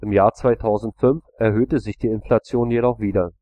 Jahr 2005 erhöhte sich die Inflation jedoch wieder